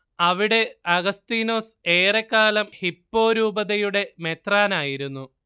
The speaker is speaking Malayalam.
അവിടെ അഗസ്തീനോസ് ഏറെക്കാലം ഹിപ്പോ രൂപതയുടെ മെത്രാനായിരുന്നു